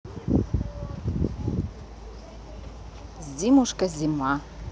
зимушка зима